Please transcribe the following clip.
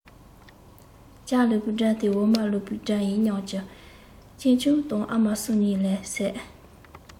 ཇ བླུག པའི སྒྲ དེ འོ མ བླུག པའི སྒྲ ཡིན ཉམས ཀྱིས གཅེན གཅུང དང ཨ མ གསུམ གཉིད ལས སད